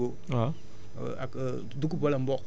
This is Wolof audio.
wala sorgho